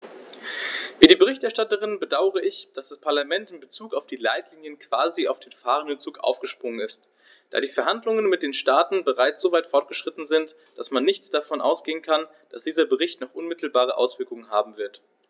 Wie die Berichterstatterin bedaure ich, dass das Parlament in bezug auf die Leitlinien quasi auf den fahrenden Zug aufgesprungen ist, da die Verhandlungen mit den Staaten bereits so weit fortgeschritten sind, dass man nicht davon ausgehen kann, dass dieser Bericht noch unmittelbare Auswirkungen haben wird.